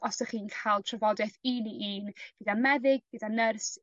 dych chi'n ca'l trafodeth un i un gyda meddyg gyda nyrs